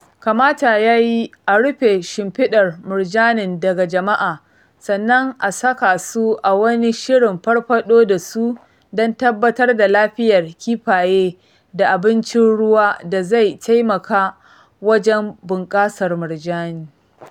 Kamata yayi a rufe shimfiɗar murjanin daga jama'a sannan a saka su a wani shirin farfaɗo da su don tabbatar da lafiyar kifaye da amincin ruwa da zai taimaka wajen bunƙasar murjani.